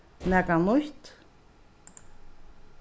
nakað nýtt